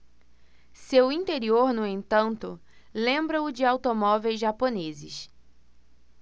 seu interior no entanto lembra o de automóveis japoneses